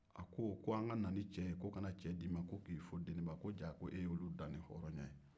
a ko k'an kana ni cɛ ye ko kana cɛ d'i ma ko k'i fo deniba ko jaa ko e olu dan ni hɔrɔnya ye